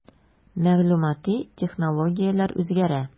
Мәгълүмати технологияләр үзгәрә.